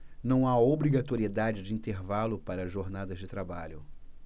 não há obrigatoriedade de intervalo para jornadas de trabalho